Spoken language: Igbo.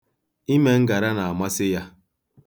Ime ngara na-amasị ya.